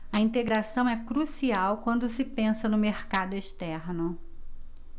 a integração é crucial quando se pensa no mercado externo